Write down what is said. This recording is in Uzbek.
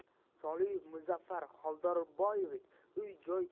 soliyev muzaffar xoldorboyevich uy